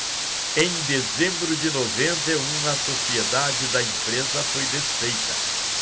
em dezembro de noventa e um a sociedade da empresa foi desfeita